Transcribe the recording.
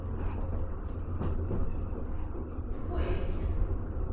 тупой или нет